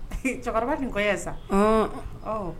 Cɛkɔrɔba nin kɔ ye sa h